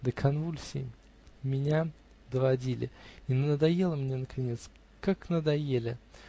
до конвульсий меня доводили и - надоели мне наконец, как надоели!